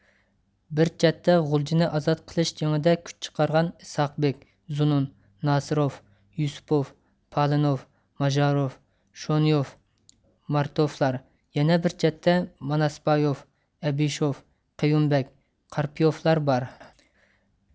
بىر چەتتە غۇلجىنى ئازاد قىلىش جېڭىدە كۈچ چىقارغان ئىسھاقبېك زۇنۇن ناسىروف يۈسۈپوف پالىنوف ماژاروف شونويوف مارتوفلار يەنە بىر چەتتە ماناسبايوف ئەبىشوف قېيۇمبەگ قارپىيوفلاربار